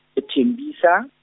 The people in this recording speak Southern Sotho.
e Thembisa.